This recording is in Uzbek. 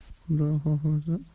xudo xohlasa osh